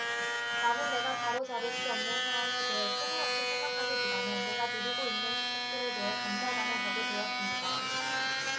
나는 내가 바로잡을 수 없는 상황에 대해 끊임없이 생각하기보다는 내가 누리고 있는 축복들에 대해 감사하는 법을 배웠습니다